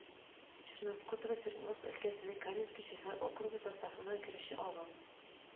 Черноскутова Свердловск өлкәсенең Каменский шәһәр округы составына керүче авыл